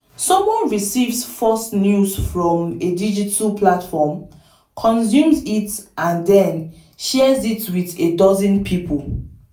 Someone receives false news from a digital platform, consumes it and then shares it with a dozen people.